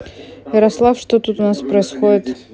ярослав что тут у нас происходит